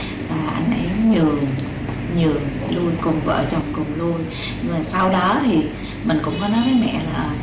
và anh ấy nhường nhường lui cùng vợ chồng cùng lui mà sau đó thì mình cũng có nói